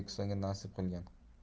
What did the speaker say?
o'zbekistonga nasib qilgan